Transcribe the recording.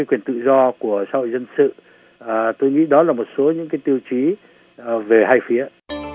quyền tự do của xã hội dân sự ờ tôi nghĩ đó là một số những cái tiêu chí về hai phía